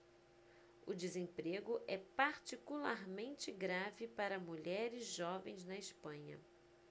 o desemprego é particularmente grave para mulheres jovens na espanha